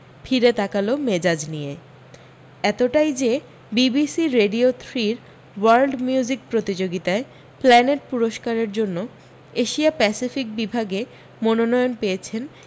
ফিরে তাকালো মেজাজ নিয়ে এতটাই যে বিবিসি রেডিও থ্রির ওয়ার্ল্ড মিউজিক প্রতিযোগিতায় প্লানেট পুরস্কারের জন্য এশিয়া প্যাসিফিক বিভাগে মনোনয়ন পেয়েছেন